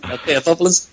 OK odd bobol yn s-...